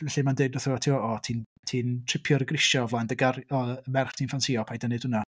Felly mae'n dweud wrtho fo tibod "o, ti'n ti'n tripio ar y grisiau o flaen dy gar-... yy merch ti'n ffansïo, paid â wneud hwnna.